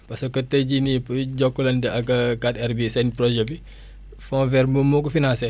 parce que tey jii nii Jokalante ak 4R bii seen projet bi fond vers moom moo ko finacé